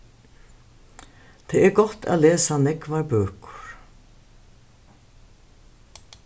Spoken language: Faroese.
tað er gott at lesa nógvar bøkur